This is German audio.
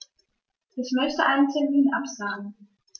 Ich möchte einen Termin absagen.